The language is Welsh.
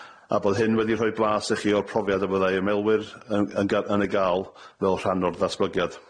A bod hyn wedi rhoi blas i chi o'r profiad y byddai ymwelwyr yn yn ga- yn ei ga'l fel rhan o'r ddatblygiad.